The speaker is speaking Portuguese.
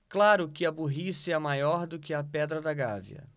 claro que a burrice é maior do que a pedra da gávea